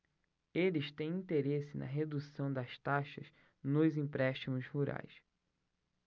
eles têm interesse na redução das taxas nos empréstimos rurais